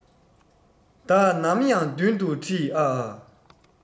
བདག ནམ ཡང མདུན དུ ཁྲིད ཨ ཨ